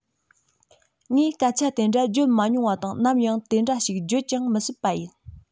ངས སྐད ཆ དེ འདྲ བརྗོད མ མྱོང བ དང ནམ ཡང དེ འདྲ ཞིག བརྗོད ཀྱང མི སྲིད པ ཡིན